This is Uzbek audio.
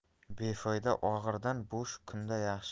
befoyda o'g'irdan bo'sh kunda yaxshi